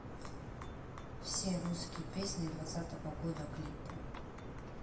все русские песни двадцатого года клипы